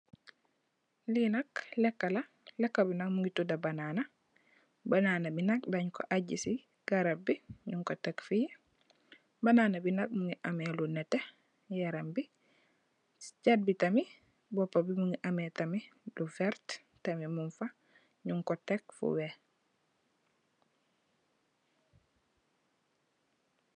Li nak lekka la lekka bi nak mugii tuddu banana banana bi nak dañ ko ajj ci garap bi ñing ko tèk fi banana bi nak mugii ameh lu netteh ci garap bi si cet bi tamit mugii ameh tamit lu werta mug fa ñing ko tèk fu wèèx.